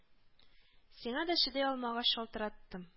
Сиңа да чыдый алмагач шалтыраттым